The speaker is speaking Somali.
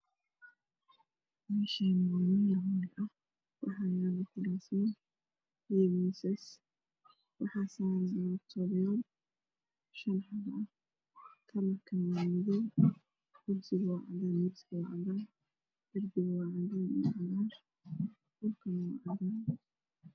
Meshaani waa mel hool ah waxaa yaalo kurasam iyo miisas waxaa saran labtobyo san xabah galarkane waa madow kursigu waa cadaan miisku waa cadaan darbigu waa cadaan iyo cagaar dhulkune cadaan